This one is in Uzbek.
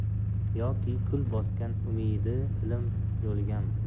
yoki kul bosgan umidi ilm yo'ligami